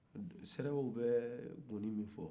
donsow be gɔnin nin fɔ